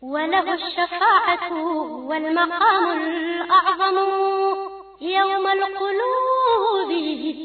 Wa wa ɲama